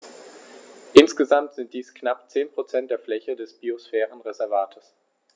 Insgesamt sind dies knapp 10 % der Fläche des Biosphärenreservates.